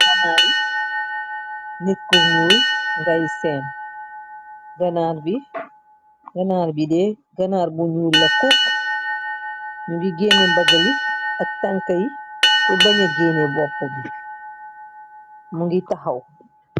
gnar nekur ñuul ngay seen ganaar bi dee ganaar bu ñuul la cukk ñu ngi genne mbagali ak tanka yi te baña geene bopp bi mu ngi taxaw